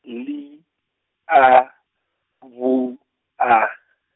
L, A, B, A.